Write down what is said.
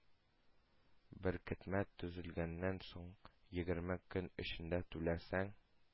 Беркетмә төзелгәннән соң егерме көн эчендә түләсәң,